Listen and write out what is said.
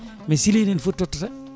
mais Sileye nene no footi tottataɓe